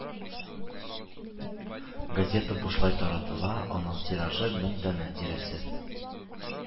Газета бушлай таратыла, аның тиражы – мең данә тирәсе